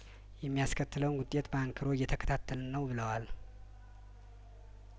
የሚያስከትለውን ውጤት በአንክሮ እየተከታተልን ነው ብለዋል